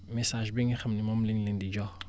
message bi nga xam ne moom la ñu leen di yox